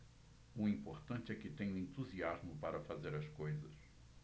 o importante é que tenho entusiasmo para fazer as coisas